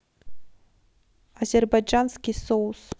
азербайджанский соус